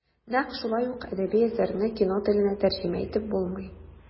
Нәкъ шулай ук әдәби әсәрне кино теленә тәрҗемә итеп булмый.